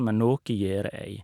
Men noe gjør jeg.